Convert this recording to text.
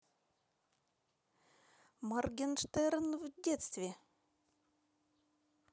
моргенштерн в детстве